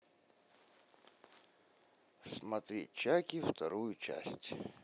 смотреть чаки вторую часть